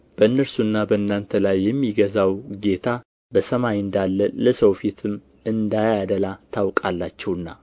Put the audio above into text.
በእነርሱና በእናንተ ላይ የሚገዛው ጌታ በሰማይ እንዳለ ለሰው ፊትም እንዳያደላ ታውቃላችሁና